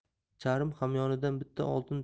charm hamyonidan bitta oltin